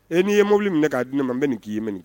E n'i ye mobili minɛ k'a di ne ma n bɛ nin k'i ye minɛ